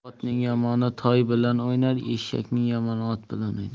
otning yomoni toy bilan o'ynar eshakning yomoni ot bilan o'ynar